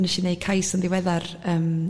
'so neshi neud cais yym ddiweddar yym